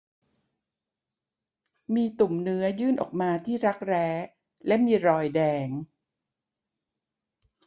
มีตุ่มเนื้อยื่นออกมาที่รักแร้และมีรอยแดง